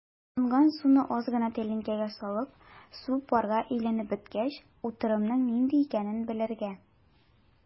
Тонган суны аз гына тәлинкәгә салып, су парга әйләнеп беткәч, утырымның нинди икәнен билгеләргә.